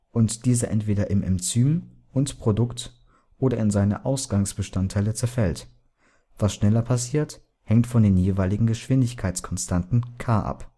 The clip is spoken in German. und dieser entweder in Enzym und Produkt oder in seine Ausgangsbestandteile zerfällt. Was schneller passiert hängt von den jeweiligen Geschwindigkeitskonstanten k ab